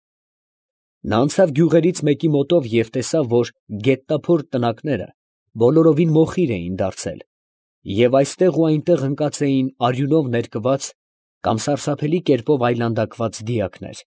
Նա անցավ գյուղերից մեկի մոտով և տեսավ, որ գետնափոր տնակները բոլորովին մոխիր էին դարձել և այստեղ ու այնտեղ ընկած էին արյունով ներկված կամ սարսափելի կերպով այլանդակված դիակներ։